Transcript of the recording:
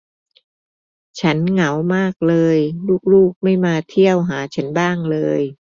ฉันเหงามากเลยลูกลูกไม่มาเที่ยวหาฉันบ้างเลย